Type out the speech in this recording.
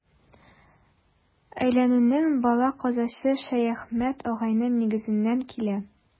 Өйләнүнең бәла-казасы Шәяхмәт агайның нигезеннән килә.